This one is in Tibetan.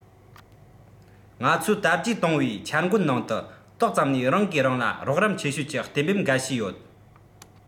ང ཚོའི དར རྒྱས གཏོང བའི འཆར འགོད ནང དུ ཏོག ཙམ ནས རང གིས རང ལ རོགས རམ ཆེ ཤོས ཀྱི གཏན འབེབས འགའ ཤས ཡོད